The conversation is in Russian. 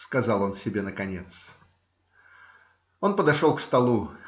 - сказал он себе наконец. Он пошел к столу.